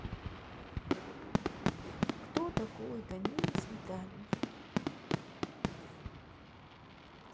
кто такой даниил сметаньев